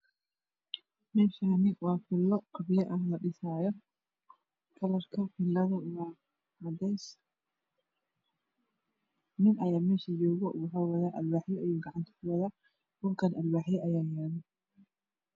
Meshaani waa filo qabyo ah la dhisayo kalarka filada waa cadees nin ayaa meesha joogo alwaxyo ayuu gacanta mu wadaa dhulkana alwaxyo ayaa yalo